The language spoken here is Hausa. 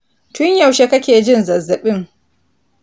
tun yaushe kake jin zazzabin